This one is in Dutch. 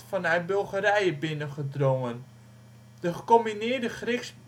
vanuit Bulgarije binnengedrongen. De gecombineerde Grieks-Britse defensie